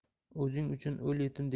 o'zing uchun o'l yetim